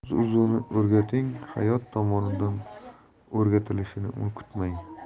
o'z o'zini o'rgating hayot tomonidan o'rgatilishini kutmang